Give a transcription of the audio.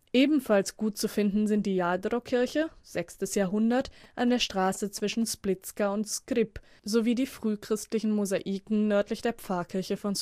Ebenfalls gut zu finden sind die Jadro-Kirche (6. Jahrhundert) an der Straße zwischen Splitska und Skrip, sowie die frühchristlichen Mosaiken nördlich der Pfarrkirche von